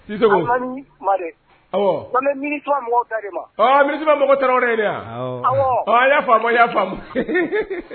Mini mɔgɔ tɛ